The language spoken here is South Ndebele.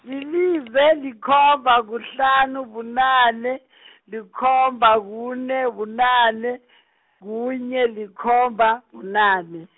lilize, likhomba, kuhlanu, bunane , likhomba, kune, bunane, kunye, likhomba, bunane.